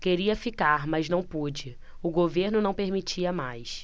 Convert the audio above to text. queria ficar mas não pude o governo não permitia mais